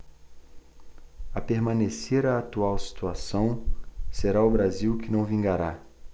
a permanecer a atual situação será o brasil que não vingará